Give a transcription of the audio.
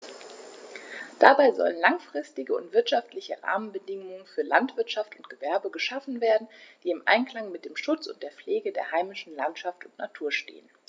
Dabei sollen langfristige und wirtschaftliche Rahmenbedingungen für Landwirtschaft und Gewerbe geschaffen werden, die im Einklang mit dem Schutz und der Pflege der heimischen Landschaft und Natur stehen.